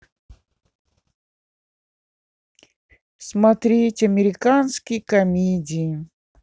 смотреть американские комедии